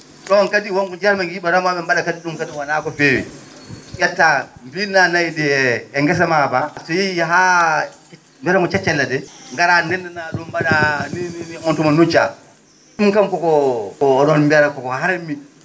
?on kadi wonko njiyatmi ko remoo?e no mba?a kadi wonaa ko feewi ?ettaa biinnaa nayi ?i e ngesa maa mbaa so yehii haa wiyetee koo ceccelle ?ee ngaraa ndeendina ?um mba?a ni ni on tuma nucca ?um kam koko ko onon biyata koko harmi